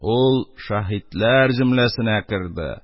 Шәрәфле үлем насыйп булды,